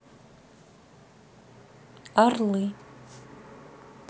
орлы